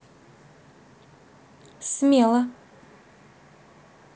смело